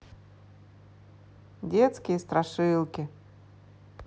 детские страшилки